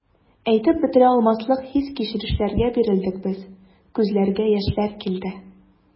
Әйтеп бетерә алмаслык хис-кичерешләргә бирелдек без, күзләргә яшьләр килде.